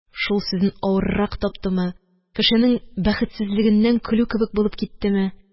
Шул сүзен авыррак таптымы... Кешенең бәхетсезлегеннән көлү кебек булып киттеме